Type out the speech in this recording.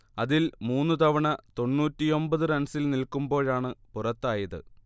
അതിൽ മൂന്ന് തവണ തൊണ്ണൂറ്റിയൊമ്പത് റൺസിൽ നിൽക്കുമ്പോഴാണ് പുറത്തായത്